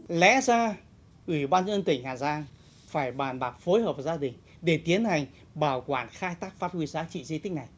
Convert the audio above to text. lẽ ra ủy ban nhân dân tỉnh hà giang phải bàn bạc phối hợp gia đình để tiến hành bảo quản khai thác phát huy giá trị di tích này